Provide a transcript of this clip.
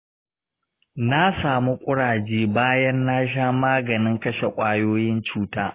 na samu kuraje bayan na sha maganin kashe ƙwayoyin cuta.